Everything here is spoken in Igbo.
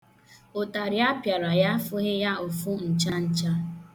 Ụtarị apịara ya afụghị ya ụfụ ncha ncha.